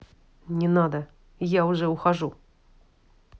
не надо я уже ухожу